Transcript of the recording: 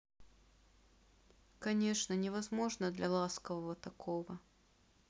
конечно невозможно для ласкового такого